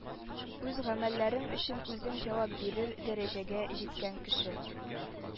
Үз гамәлләрең өчен үзең җавап бирер дәрәҗәгә җиткән кеше